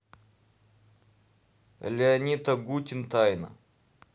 леонид агутин тайна